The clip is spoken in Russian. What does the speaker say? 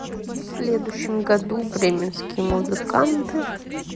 в следующем году бременские музыканты